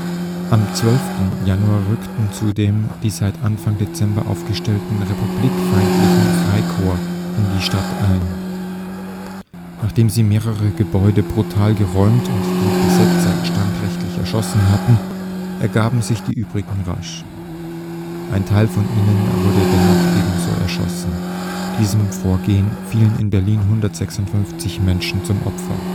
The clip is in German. Am 12. Januar rückten zudem die seit Anfang Dezember aufgestellten republikfeindlichen Freikorps in die Stadt ein. Nachdem sie mehrere Gebäude brutal geräumt und die Besetzer standrechtlich erschossen hatten, ergaben sich die übrigen rasch. Ein Teil von ihnen wurde dennoch ebenso erschossen. Diesem Vorgehen fielen in Berlin 156 Menschen zum Opfer